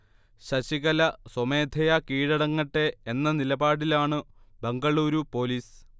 ശശികല സ്വമേധയാ കീഴടങ്ങട്ടെ എന്ന നിലപാടിലാണു ബംഗളൂരു പോലീസ്